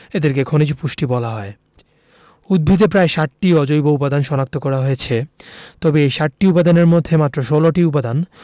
এদেরকে খনিজ পুষ্টি বলা হয় উদ্ভিদে প্রায় ৬০টি অজৈব উপাদান শনাক্ত করা হয়েছে তবে এই ৬০টি উপাদানের মধ্যে মাত্র ১৬টি উপাদান